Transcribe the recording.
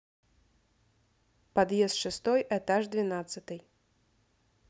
подъезд шестой этаж двенадцатый